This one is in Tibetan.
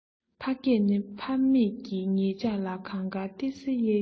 ཕ སྐད ནི ཕ མེས ཀྱིས ངེད ཅག ལ གངས དཀར ཏི སིའི གཡས གཡོན